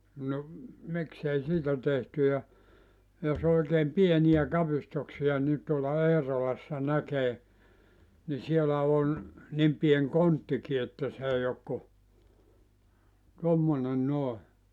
no miksi ei siitä tehty ja jos oikein pieniä kapistuksia niin tuolla Eerolassa näkee niin siellä on niin pieni konttikin että se ei ole kuin tuommoinen noin